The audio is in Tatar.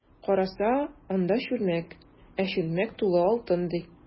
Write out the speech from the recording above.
Караса, анда— чүлмәк, ә чүлмәк тулы алтын, ди.